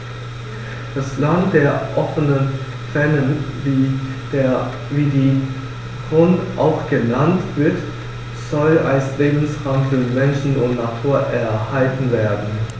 Das „Land der offenen Fernen“, wie die Rhön auch genannt wird, soll als Lebensraum für Mensch und Natur erhalten werden.